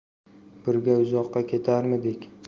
birga uzoqqa ketarmidik